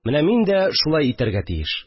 Менә мин дә шулай итәргә тиеш